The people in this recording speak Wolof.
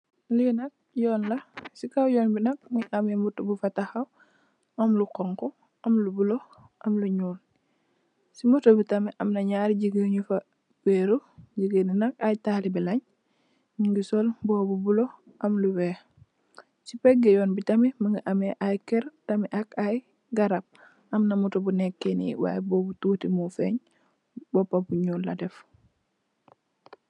li nak yonela ci kaw Yone bi mugi am moto bu fi taxaw mugi am lu xonxu lu bula am lu njul ci motobi am njari gigen yu ci werou njomnak ay talibelen njogu sol lu bula am lu wex ci begu yonbi mugi am ay ker ak ay garab amna mtoto mu neke ni wy bobu toti mo fêne bopu bu njul la am